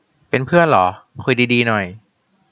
เป็นเพื่อนเหรอคุยดีดีหน่อย